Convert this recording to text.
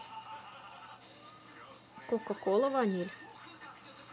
кока кола ваниль